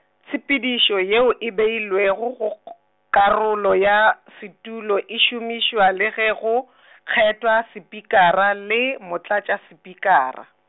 tshepedišo yeo e beilwego gokg-, karolo ya setulo e šomišwa le ge go , kgethwa spikara le Motlatšaspikara.